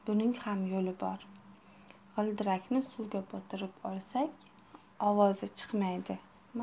buning ham yo'li bor g'ildirakni suvga botirib olsak ovozi chiqmaydi